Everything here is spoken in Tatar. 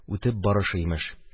Үтеп барышы, имеш.